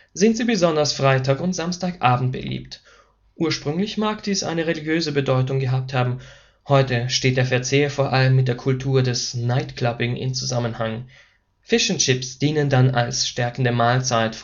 sind sie besonders Freitag und Samstagabend beliebt – ursprünglich mag dies eine religiöse Bedeutung gehabt haben; heute steht der Verzehr vor allem mit der Kultur des Night-Clubbing im Zusammenhang: Fish’ n’ Chips dienen dann als stärkende Mahlzeit